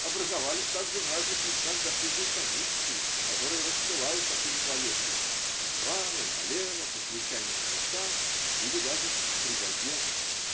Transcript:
Образовались также в разных местах досужие комиссии, которые рассылают такую словесность направо и налево, по случайным адресам, или даже при газетах.